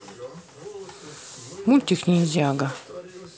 мультик ниндзяго